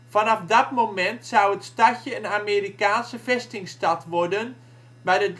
Vanaf dat moment zou het stadje een Amerikaanse vestingstad worden waar